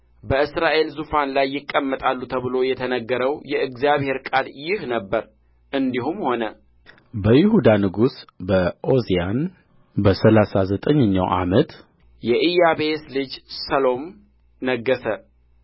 በእስራኤል ዙፋን ላይ ይቀመጣሉ ተብሎ የተነገረው የእግዚአብሔር ቃል ይህ ነበረ እንዲሁም ሆነ በይሁዳ ንጉሠ በዖዝያን በሠላሳ ዘጠኝኛው ዓመት የኢያቤስ ልጅ ሰሎም ነገሠ